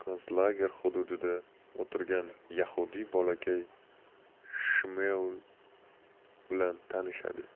konslager hududida o'tirgan yahudiy bolakay shmuel bilan tanishadi